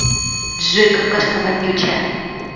джой какашка вонючая